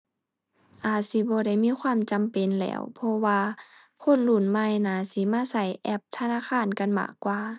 อาจสิบ่ได้มีความจำเป็นแล้ว เพราะว่าคนรุ่นใหม่น่าสิมาใช้แอปธนาคารกันมากกว่า